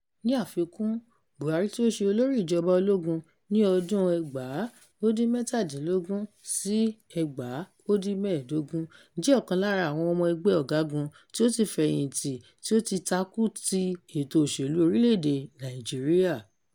Ní àfikún, Buhari tí ó ṣe olórí ìjọba ológun ní ọdún (1983 sí 1985) jẹ́ ọ̀kan lára àwọn ọmọ ẹgbẹ́' ọ̀gágun tí ó ti fẹ̀yìntì tí ó ti takú ti ètò òṣèlú orílẹ̀-èdè Nàìjíríà.